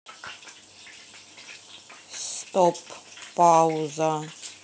стоп пауза